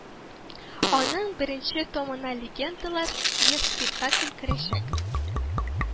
Аның беренче томына легендалар йөз спектакль керәчәк